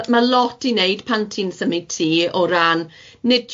Ma' ma' lot i neud pan ti'n symud tŷ o ran nid